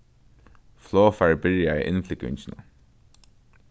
flogfarið byrjaði innflúgvingina